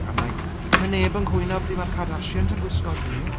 I'm like, ma' neb yn cwyno pryd mae'r Kardashians yn gwisgo du.